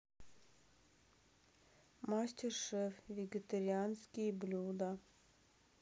мастер шеф вегетарианские блюда